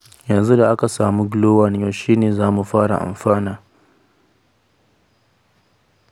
Yanzu da aka samu Glo-1, yaushe ne za mu fara amfana?